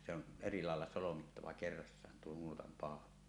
se on eri lailla solmittava kerrassaan tuo nuotan paula